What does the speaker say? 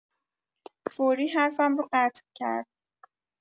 فوری حرفم رو قطع کرد!